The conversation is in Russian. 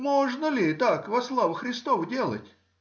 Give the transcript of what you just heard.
можно ли то во славу Христову делать?